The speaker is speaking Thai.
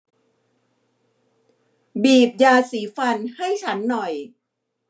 บีบยาสีฟันให้ฉันหน่อย